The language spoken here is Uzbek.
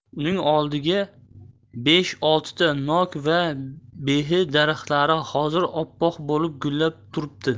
uning oldidagi besh oltita nok va behi daraxtlari hozir oppoq bo'lib gullab turipti